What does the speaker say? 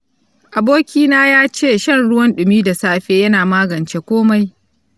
abokina yace shan ruwan ɗumi da safe yana magance komai